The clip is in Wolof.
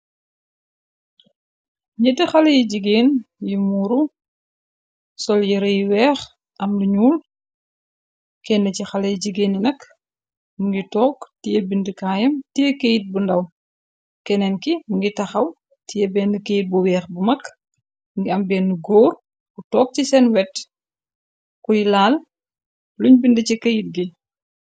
gnjet xale yi jigéen yi muuru sol yirey weex am luñuul kenn ci xalé yi jigéeni nak mu ngi took tiyé bind kaayam tée keyit bu ndaw kenneen ki mu ngi taxaw tiyé benn keyit bu weex bu mag ngi am benn góor ku took ci seen wet kuy laal luñ bind ci keyit gi